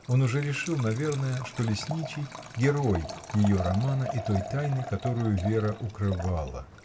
он уже решил наверное, что лесничий — герой ее романа и той тайны, которую Вера укрывала.